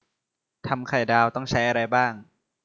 ทำไข่ดาวต้องใช้อะไรบ้าง